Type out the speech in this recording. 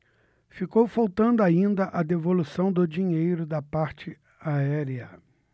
ficou faltando ainda a devolução do dinheiro da parte aérea